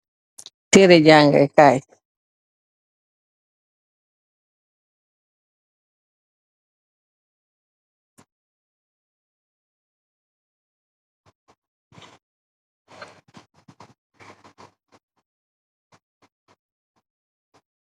Tereh jange kai janguh kat yi nyuku de jaffa ndekoh munge am aye fusum melukan.